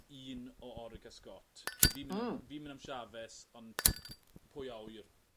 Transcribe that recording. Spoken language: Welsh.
un o Orica Scott. Fi'n myn'... Hmm. ...fi'n myn' am Chaves ond pwy a ŵyr?